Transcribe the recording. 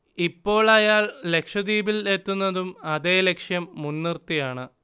ഇപ്പോൾ അയാൾ ലക്ഷദ്വീപിൽ എത്തുന്നതും അതേ ലക്ഷ്യം മൂൻനിർത്തിയാണ്